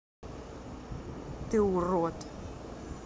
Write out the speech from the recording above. ты урод